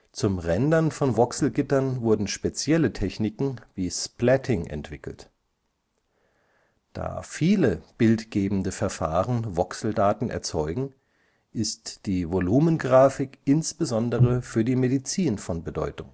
Zum Rendern von Voxelgittern wurden spezielle Techniken wie Splatting entwickelt. Da viele bildgebende Verfahren Voxeldaten erzeugen, ist die Volumengrafik insbesondere für die Medizin von Bedeutung